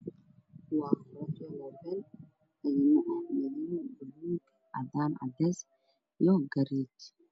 Waxaa ii muuqda meel lagu iibiyo dalalka moobeelada la gashto waxa ayna sulan yihiin meel ayagoo badan hoos ka yaalaan